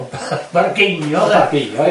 O ba- yy bargeinio de? O bargeinio ia